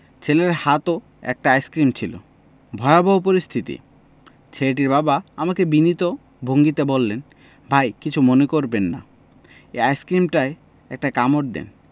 ছেলের হাতও একটা আইসক্রিম ভয়াবহ পরিস্থিতি ছেলেটির বাবা আমাকে বিনীত ভঙ্গিতে বললেন ভাই কিছু মনে করবেন না এর আইসক্রিমটায় একটা কামড় দেন